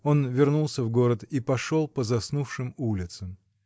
Он вернулся в город и пошел по заснувшим улицам.